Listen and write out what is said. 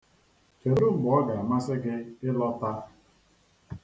Kedụ mgbe ọ ga-amasị gị ịlọta?